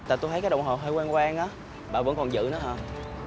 tại tui thấy cái đồng hồ hơi quen quen á bà vẫn còn giữ nó hả